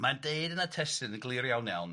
ma'n deud yn y testun yn glir iawn, iawn